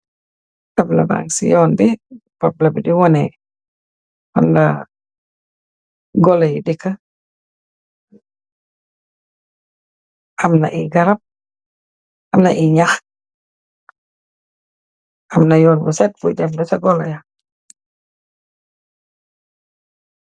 Tamleh mba geh si yoon bi ,tablah bi deh wonneh fan lah koloh yeh deygah , emmna ehh garap , emmna ehh ln jaah , emmna yoon bu seet buii demm busi koloh yaah .